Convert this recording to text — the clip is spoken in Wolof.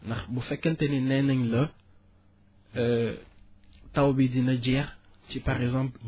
ndax bu fekkente ni neenañ la taw bi dina jeex ci par exemple